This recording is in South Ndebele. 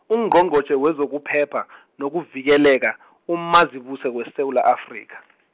Ungqongqotjhe wezokuphepha , nokuvikeleka , uMazibuse weSewula Afrika .